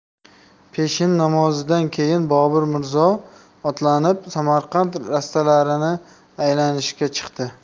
peshin namozidan keyin bobur mirzo otlanib samarqand rastalarini aylanishga chiqdi